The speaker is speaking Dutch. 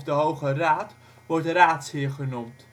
Hoge Raad wordt raadsheer genoemd